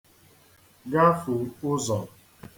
gafù ụzọ̀